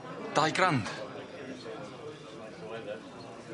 Dau grand.